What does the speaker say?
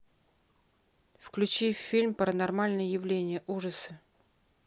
включи фильм паранормальное явление ужасы